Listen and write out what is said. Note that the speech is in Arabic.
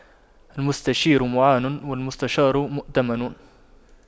المستشير معان والمستشار مؤتمن